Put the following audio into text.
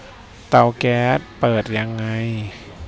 เตาแก๊สเปิดยังไง